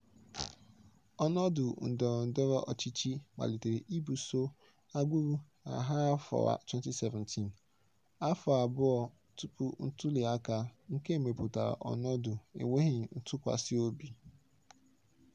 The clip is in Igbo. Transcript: Ọnọdụ ndọrọndọrọ ọchịchị malitere ibuso agbụrụ agha n'afọ 2017, afọ abụọ tụpụ ntuliaka, nke mepụtara ọnọdụ enweghị ntụkwasị obi.